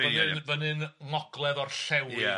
Fyny'n fyny'n ngogledd orllewin... ia